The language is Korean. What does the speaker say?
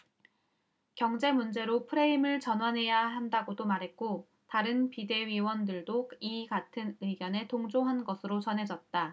경제 문제로 프레임을 전환해야 한다고도 말했고 다른 비대위원들도 이 같은 의견에 동조한 것으로 전해졌다